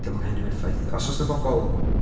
'Di o'm yn cael unrhyw effaith. Os oes 'na bobol...